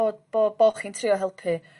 bod bob bo' chi'n trio helpu